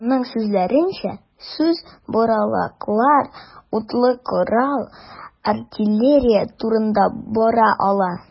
Аның сүзләренчә, сүз боралаклар, утлы корал, артиллерия турында бара ала.